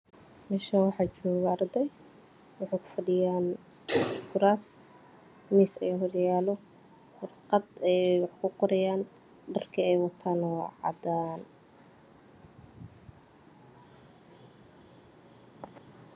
Meeshaan waxaa jooga arday waxay ku fadhiyaan miis warqad ayey wax ku qorayaan dharka ay wataana waa cadaan